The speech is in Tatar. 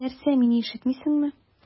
Син нәрсә, мине ишетмисеңме?